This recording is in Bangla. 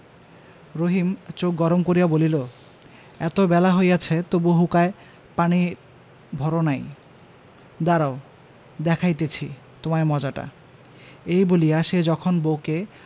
রহিম চোখ গরম করিয়া বলিল এত বেলা হইয়াছে তবু হুঁকায় পানির ভর নাই দাঁড়াও দেখাইতেছি তোমায় মজাটা এই বলিয়া সে যখন বউকে